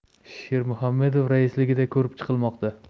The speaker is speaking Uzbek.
shermuhammedov raisligida ko'rib chiqilmoqda